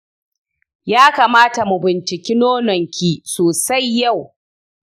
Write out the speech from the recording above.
ya kamata mu binciki nononki sosai yau.